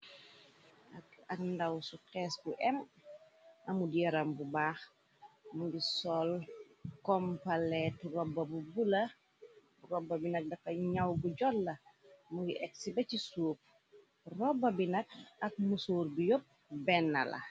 Ab ndaw bu xees bu emm amud yaram bu baax mungi sol kompaleet roba bu bulo roba bi nak naw bu jootla mongi eksi baci suuf robba bi nak ak musoor bi yep bena la.